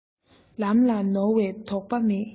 ལམ ལ ནོར བའི དོགས པ མེད